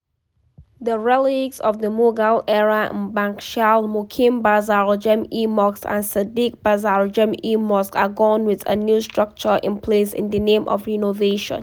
The relics of the Mughal era in Bangshal Mukim Bazar Jam-e Mosque and Siddique Bazar Jam-e Mosque are gone with a new structure in place in the name of renovation.